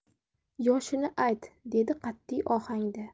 yoshini ayt dedi qatiy ohangda